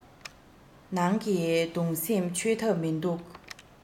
ནང གི དུང སེམས ཆོད ཐབས མིན འདུག